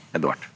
Edvard.